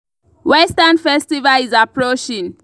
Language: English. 1. Western festival is approaching.